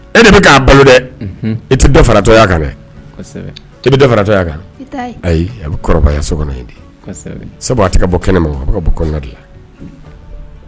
E de bi ka balo dɛ Unhun i tɛ dɔ fara dɔgɔya kan dɛ . I bi dɔ fara kan? ayi a bɛ kɔrɔbaya sokɔnɔ sabu a ti ka bɔ kɛnɛma wo a bi ka bɔ kɔnɔna de la .